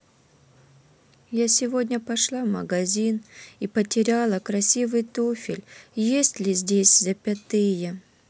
я сегодня пошла в магазин и потеряла красивый туфель есть ли здесь запятые